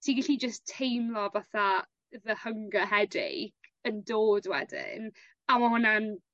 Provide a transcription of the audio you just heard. ti gallu jyst teimlo fatha the hunger headache yn dod wedyn a ma' hwnna'n